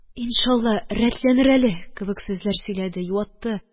Иншалла, рәтләнер әле, – кебек сүзләр сөйләде, юатты